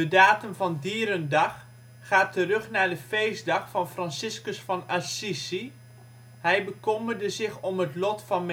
datum van dierendag gaat terug naar de feestdag van Franciscus van Assisi (4 oktober). Hij bekommerde zich om het lot van